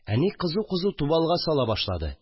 Әни кызу-кызу тубалга сала башлады